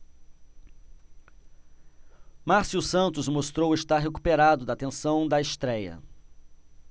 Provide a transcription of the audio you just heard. márcio santos mostrou estar recuperado da tensão da estréia